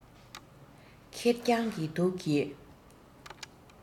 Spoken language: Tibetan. ཁེར རྐྱང གི སྡུག གིས